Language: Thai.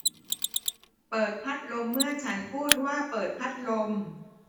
เปิดพัดลมเมื่อฉันพูดว่าเปิดพัดลม